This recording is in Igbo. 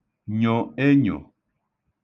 nyò enyò